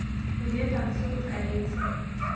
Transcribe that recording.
где танцуют корейцы